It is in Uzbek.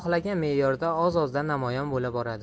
xohlagan me'yorda oz ozdan namoyon bo'la boradi